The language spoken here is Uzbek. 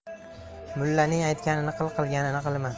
mullaning aytganini qil qilganini qilma